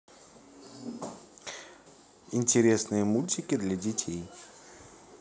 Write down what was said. интересные мультики для детей